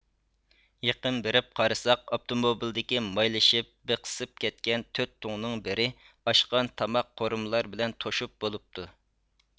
يېقىن بېرىپ قارىساق ئاپتوموبىلدىكى مايلىشىپ بېقسىپ كەتكەن تۆت تۇڭنىڭ بىرى ئاشقان تاماق قورۇمىلار بىلەن توشۇپ بولۇپتۇ